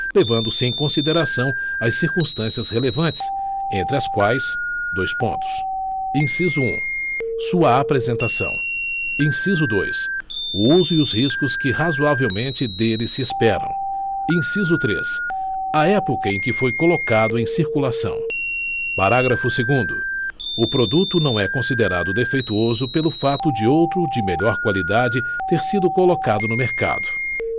levando se em consideração as circunstâncias relevantes entre as quais dois pontos inciso um sua apresentação inciso dois o uso e os riscos que razoavelmente dele se esperam inciso três a época em que foi colocado em circulação parágrafo segundo o produto não é considerado defeituoso pelo fato de outro de melhor qualidade ter sido colocado no mercado